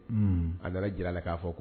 A nana jira k'a fɔ ko